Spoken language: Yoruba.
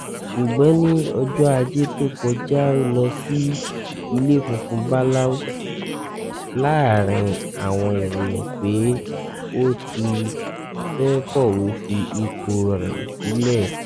Ṣùgbọ́n ní ọjọ́ ajé tó kọjá ó lọ sí Ilé Funfun Bbáláú, láàrin àwọn ìròyìn pé ó tí fẹ́ kswé fi ipò rẹ̀ sílẹ̀